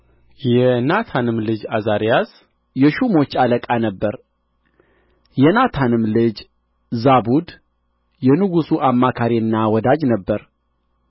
የናታንም ልጅ ዓዛርያስ የሹሞች አለቃ ነበረ የናታንም ልጅ ዛቡድ የንጉሡ አማካሪና ወዳጅ ነበረ